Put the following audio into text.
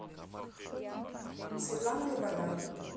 светлана лобода